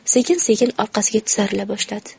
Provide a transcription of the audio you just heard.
sekin sekin orqasiga tisarila boshladi